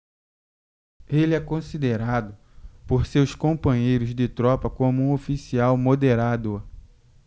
ele é considerado por seus companheiros de tropa como um oficial moderado